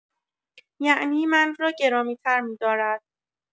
یعنی من را گرامی‌تر می‌دارد.